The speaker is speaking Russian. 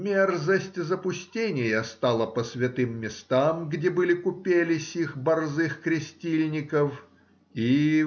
— Мерзость запустения стала по святым местам, где были купели сих борзых крестильников, и.